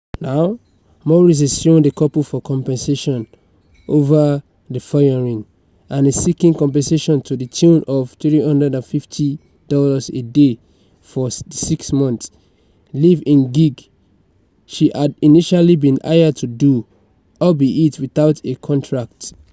Now, Maurice is suing the couple for compensation over the firing, and is seeking compensation to the tune of $350 a day for the six-month, live-in gig she had initially been hired to do, albeit without a contract.